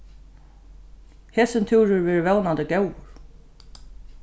hesin túrur verður vónandi góður